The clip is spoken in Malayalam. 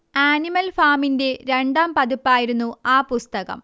ആനിമൽ ഫാമിന്റെ രണ്ടാം പതിപ്പായിരുന്നു ആ പുസ്തകം